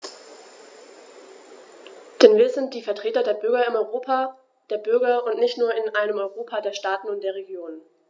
Denn wir sind die Vertreter der Bürger im Europa der Bürger und nicht nur in einem Europa der Staaten und der Regionen.